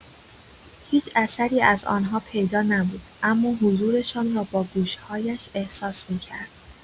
هیچ اثری از آن‌ها پیدا نبود، اما حضورشان را با گوش‌هایش احساس می‌کرد.